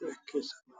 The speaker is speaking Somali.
ah